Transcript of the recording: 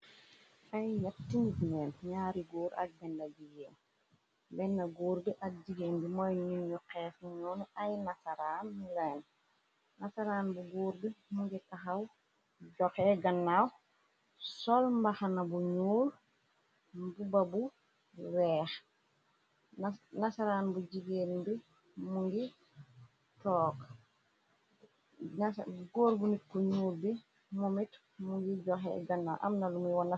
Fay yak tineen ñaari góor ak benda gi yeen benn góur g ak jigéen di mooy ñu ñu xees ñoonu ay nasaraan mi lein nasaraan bu góur g mu ngi taxaw joxe gannaaw sol mbaxana bu ñuur bu ba bu weex nasaraan bu jigéen bi ngi took góur bu niku ñuur bi mu mit mu ngi joxe gannaaw amna lumuy won.